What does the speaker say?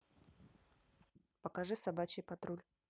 покажи собачий патруль